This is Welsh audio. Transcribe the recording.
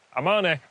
A ma' 'ne